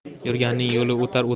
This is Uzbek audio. yurganning yo'li o'tar